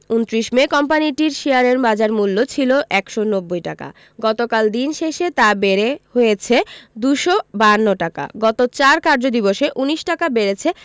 ২৯ May কোম্পানিটির শেয়ারের বাজারমূল্য ছিল ১৯০ টাকা গতকাল দিন শেষে তা বেড়ে হয়েছে ২৫২ টাকা গত ৪ কার্যদিবসে ১৯ টাকা বেড়েছে